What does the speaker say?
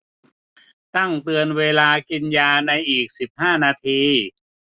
ตั้งเตือนเวลากินยาในอีกสิบห้านาที